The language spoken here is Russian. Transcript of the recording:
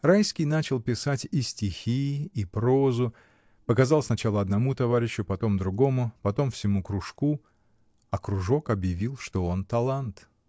Райский начал писать и стихи и прозу, показал сначала одному товарищу, потом другому, потом всему кружку, а кружок объявил, что он талант.